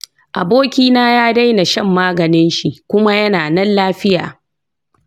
abokina ya daina shan maganin shi kuma yana nan lafiya.